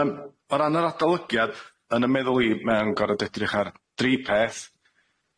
Yym o ran yr adolygiad yn y meddwl i mae o'n gorod edrych ar dri peth